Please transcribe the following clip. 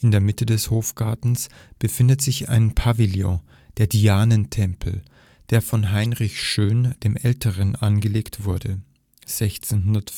der Mitte des Hofgartens befindet sich ein Pavillon, der Dianatempel, der von Heinrich Schön dem Älteren angelegt wurde (1615). Von